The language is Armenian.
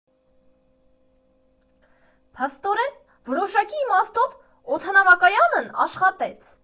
Փաստորեն, որոշակի իմաստով, օդանավակայանն աշխատեց։